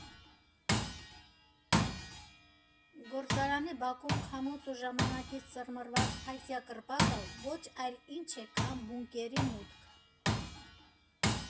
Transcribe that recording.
Գործարանի բակում՝ քամուց ու ժամանակից ծռմռված փայտյա կրպակը ոչ այլ ինչ է, քան բունկերի մուտք։